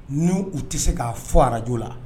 N u tɛ se k'a fɔ arajo la